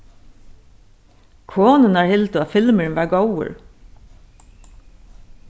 konurnar hildu at filmurin var góður